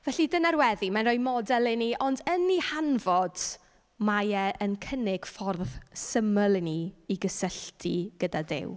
Felly, dyna'r weddi. Mae'n rhoi model i ni. Ond yn ei hanfod, mae e yn cynnig ffordd syml i ni i gysylltu gyda Duw.